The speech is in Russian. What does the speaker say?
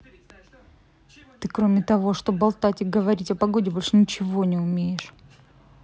ты кроме того что болтать и говорить о погоде больше ничего не умеешь